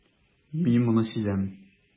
Мин моны сизәм.